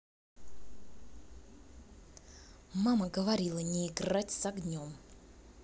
мама говорила не играться с огнем